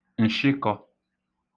ǹshịkọ̄